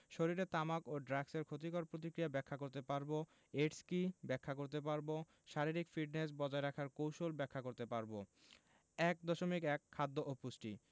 শরীরে তামাক ও ড্রাগসের ক্ষতিকর প্রতিক্রিয়া ব্যাখ্যা করতে পারব এইডস কী ব্যাখ্যা করতে পারব শারীরিক ফিটনেস বজায় রাখার কৌশল ব্যাখ্যা করতে পারব ১.১ খাদ্য ও পুষ্টি